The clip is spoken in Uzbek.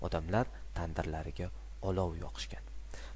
odamlar tandirlariga olov yoqishgan